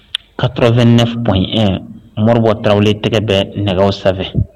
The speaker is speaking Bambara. Ka tɔrɔ2 neɔ mori tarawelelen tɛgɛ bɛ nɛgɛ sanfɛ